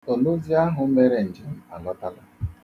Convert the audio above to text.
Onozi ahụ mere njem alọtala.